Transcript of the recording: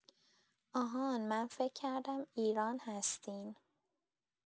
آهان من فکر کردم ایران هستین